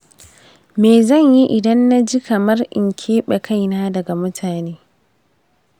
me zan yi idan na ji kamar in keɓe kaina daga mutane?